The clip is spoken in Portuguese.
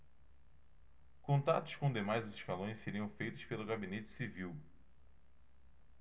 contatos com demais escalões seriam feitos pelo gabinete civil